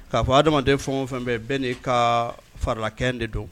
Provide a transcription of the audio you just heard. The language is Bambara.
K'a fɔ hadamaden fɛn o fɛn bɛ yen bɛɛ n'i ka farilakɛn de don